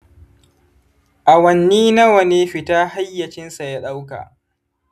awanni nawa ne fita hayyacinsa ya ɗauka?